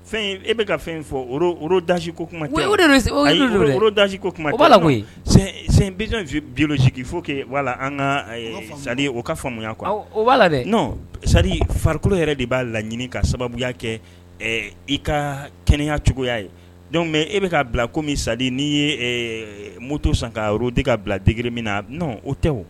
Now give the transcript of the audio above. Fɛn e bɛ ka fɛn fɔ dasiko kuma se dasiko koyi bitɔnj bisi fo an ka sa o ka faamuyamuya kuwa dɛ sa farikolo yɛrɛ de b'a laɲini ka sababuya kɛ i ka kɛnɛyaya cogoya ye bɛ e bɛ' bila ko min sa n'i ye moto san ka de ka bila digiri min na o tɛ o